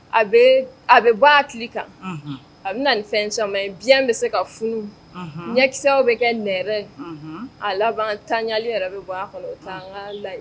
A a be bɔ a hakili kan, a bi na ni fɛn caman ye. Unhun Biɲɛn bi se ka funu ɲɛkisɛw bi kɛ nɛrɛ ye a laban tanɲali yɛrɛ bi bɔ a kɔnɔ. O tan ka laɲini ye.